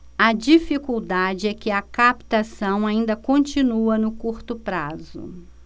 a dificuldade é que a captação ainda continua no curto prazo